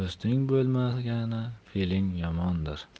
do'sting bo'lmagani fe'ling yomondir